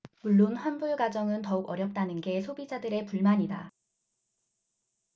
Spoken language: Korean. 물론 환불과정은 더욱 어렵다는 게 소비자들의 불만이다